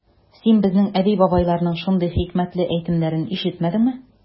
Син безнең әби-бабайларның шундый хикмәтле әйтемнәрен ишетмәдеңме?